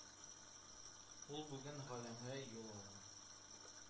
Ул бүген галәмгә юл ала